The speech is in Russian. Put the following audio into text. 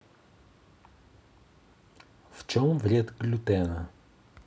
в чем вред глютена